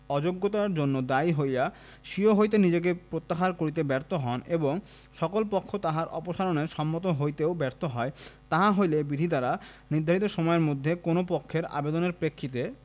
অযোগ্যতার জন্য দায়ী হইয়া স্বীয় হইতে নিজেকে প্রত্যাহার কারিতে ব্যর্থ হন এবং সকল পক্ষ তাহার অপসারণে সম্মত হইতেও ব্যর্থ হয় তাহা হইলে বিধি দ্বারা নির্ধারিত সময়ের মধ্যে কোন পক্ষের আবেদনের প্রেক্ষিতে